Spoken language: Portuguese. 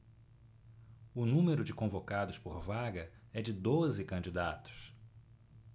o número de convocados por vaga é de doze candidatos